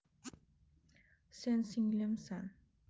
sen singlimsan